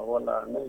Ada